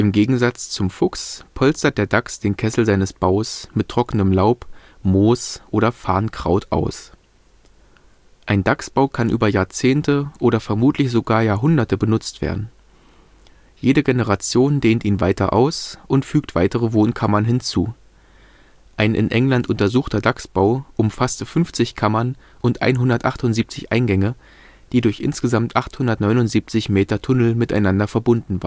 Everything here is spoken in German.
Gegensatz zum Fuchs polstert der Dachs den Kessel seines Baues mit trockenem Laub, Moos oder Farnkraut aus. Ein Dachsbau kann über Jahrzehnte oder vermutlich sogar Jahrhunderte benutzt werden. Jede Generation dehnt ihn weiter aus und fügt weitere Wohnkammern hinzu. Ein in England untersuchter Dachsbau umfasste 50 Kammern und 178 Eingänge, die durch insgesamt 879 Meter Tunnel miteinander verbunden